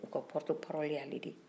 u ka pɔrɔti parɔli ye ale de ye